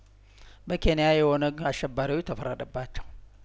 በኬንያ የኦነግ አሸባሪዎች ተፈረደባቸው